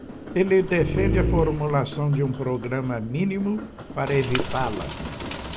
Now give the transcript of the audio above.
ele defende a formulação de um programa mínimo para evitá-la